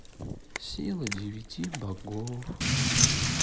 сила девяти богов